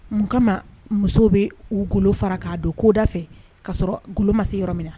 Mun kama ma musow bɛ u golo fara k'a don koda fɛ k ka sɔrɔ golo ma se yɔrɔ min na